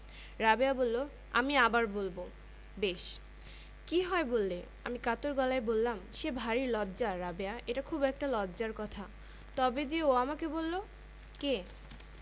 রাবেয়া বললো আমি আবার বলবো বেশ কি হয় বললে আমি কাতর গলায় বললাম সে ভারী লজ্জা রাবেয়া এটা খুব একটা লজ্জার কথা তবে যে ও আমাকে বললো কে